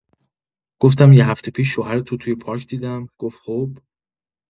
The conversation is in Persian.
گفتم یه هفته پیش شوهرتو توی پارک دیدم، گفت خب؟